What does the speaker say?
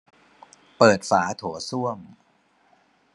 เปิดฝาโถส้วม